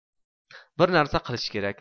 bir narsa qilish kerak